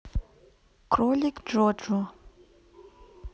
кролик джоджо